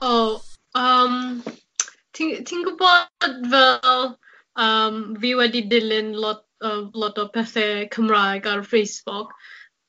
O, yym ti ti'n gwbod fel yym fi wedi dilyn lot yym lot o pethe Cymraeg ar Facebook